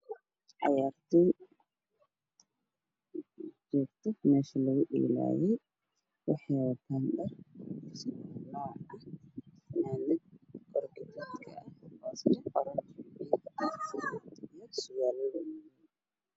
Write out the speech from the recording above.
Waa wiilal joogo garoon ka ciyaarayo banooni waxay wataan fanaanado guduud caddaan isku jiro